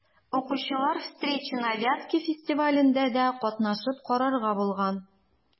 Укучылар «Встречи на Вятке» фестивалендә дә катнашып карарга булган.